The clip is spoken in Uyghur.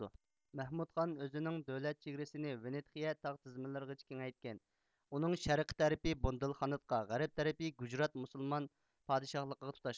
مەھمۇدخان ئۆزىنىڭ دۆلەت چېگرىسىنى ۋىندخىيە تاغ تىزمىلىرىغىچە كېڭەيتكەن ئۇنىڭ شەرقىي تەرىپى بوندېلخاندغا غەرپ تەرىپى گۇجرات مۇسۇلمان پادىشاھلىقىغا تۇتاشقان